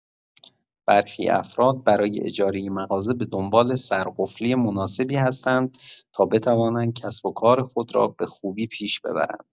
برخی افراد برای اجاره مغازه به دنبال سرقفلی مناسبی هستند تا بتوانند کسب و کار خود را به خوبی پیش ببرند.